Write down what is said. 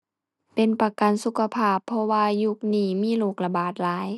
เป็นประกันสุขภาพ เพราะว่ายุคนี้มีโรคระบาดหลาย